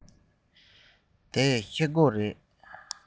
འདི ཤེལ སྒོ རེད